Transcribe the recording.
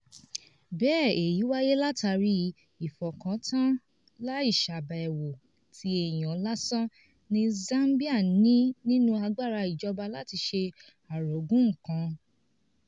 Bẹ́ẹ̀ èyí wáyé látààrí "ìfọkàntán láìṣàbẹ̀wò" tí èèyàn lásán ní Zambia ní nínú agbára ìjọba láti ṣe àrògùn nǹkan.